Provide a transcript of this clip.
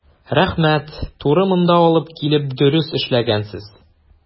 Рәхмәт, туры монда алып килеп дөрес эшләгәнсез.